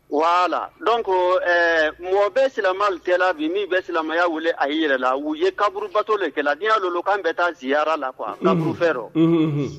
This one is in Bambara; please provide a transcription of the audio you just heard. Wala dɔn ko ɛɛ mɔgɔ bɛ silamɛ tɛ bi min bɛ silamɛya wele a y'i yɛrɛ la u ye kaburubatɔ dekɛla n'i y'a don k' an bɛ taa zyara la kuwa kauru fɛ rɔ